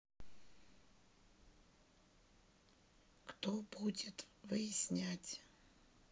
кто будет выяснять